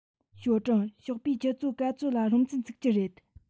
ཞའོ ཀྲུང ཞོགས པའི ཆུ ཚོད ག ཚོད ལ སློབ ཚན ཚུགས ཀྱི རེད